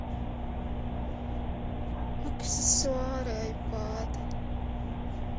аксессуары айпад